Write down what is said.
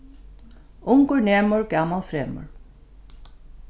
ungur nemur gamal fremur